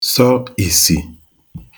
sọ ìsì